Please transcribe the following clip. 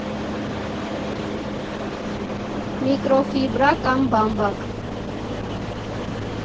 Միկրոֆիբրա կամ բամբակ։